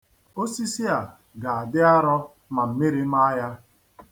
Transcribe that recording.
Osisi a ga-adị arọ ma mmiri maa ya.